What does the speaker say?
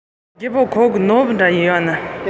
སྨ རར བྱིལ བྱིལ བྱེད བཞིན